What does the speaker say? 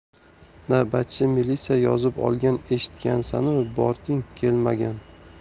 navbatchi milisa yozib olgan eshitgansanu borging kelmagan